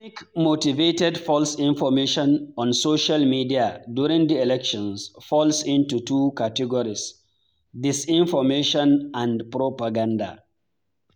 Ethnic-motivated false information on social media during the elections falls into two categories: disinformation and propaganda.